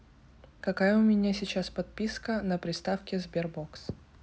какая у меня сейчас подписка на приставке sberbox